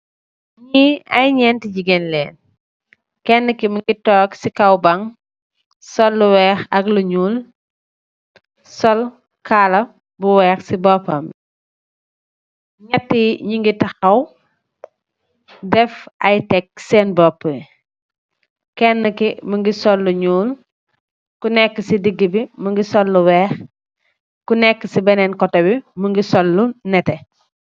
ñi ay ñeenti jigéen leen, kenn ki mu ngi toog ci kawbaŋ sollu weex ak lu ñuul sol kaala bu weex ci boppambi. ñatti ñi ngi taxaw def ay tek seen bopp, kenn ki mu ngi sollu ñuul ku nekk ci digg bi mu ngi sollu weex, ku nekk ci beneen koto bi mu ngi sollu nete.